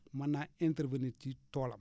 mën naa intervenir :fraci toolam